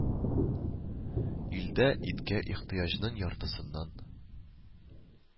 Илдә иткә ихтыяҗның яртысыннан